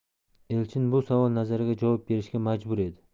elchin bu savol nazariga javob berishga majbur edi